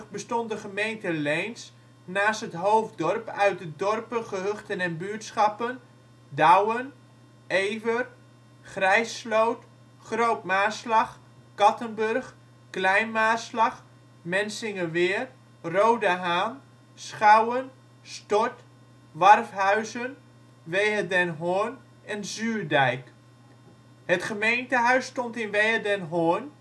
bestond de gemeente Leens naast het hoofddorp uit de dorpen, gehuchten en buurtschappen: Douwen, Ewer, Grijssloot, Groot Maarslag, Kattenburg, Klein Maarslag, Mensingeweer, Roodehaan, Schouwen, Stort, Warfhuizen, Wehe-den Hoorn en Zuurdijk. Het gemeentehuis stond in Wehe-den Hoorn